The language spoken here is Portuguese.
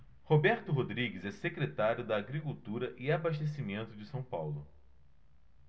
roberto rodrigues é secretário da agricultura e abastecimento de são paulo